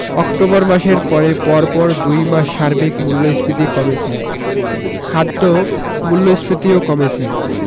October মাসের পরে পরপর দুই মাস সার্বিক মূল্যস্ফীতি কমেছে খাদ্য মূল্যস্ফীতিও কমেছে